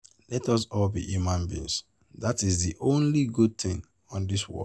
Let us all be human beings, that is the only good thing on this world.